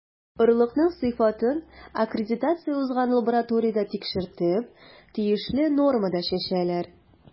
Орлыкның сыйфатын аккредитация узган лабораториядә тикшертеп, тиешле нормада чәчәләр.